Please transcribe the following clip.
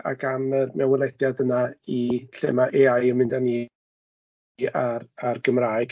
ac am y mewnwelediad yna i lle mae AI yn mynd â ni a'r Gymraeg.